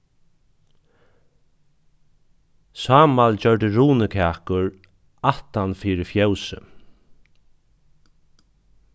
sámal gjørdi runukakur aftan fyri fjósið